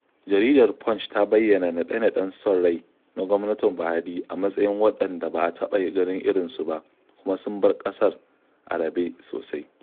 Jaridar Punch ta bayyana "naɗe-naɗen son rai" na gwamnatin Buhari a matsayin waɗanda "ba a taɓa ganin irinsu ba" kuma sun bar ƙasar a rabe sosai.